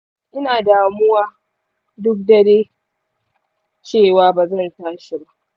ina damuwa duk dare cewa ba zan tashi ba.